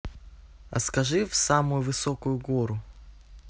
а скажи в самую высокую гору